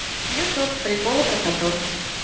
ютуб приколы про котов